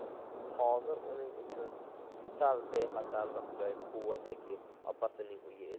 hozir uning uchun sal bexatarroq joy quvadagi opasining uyi edi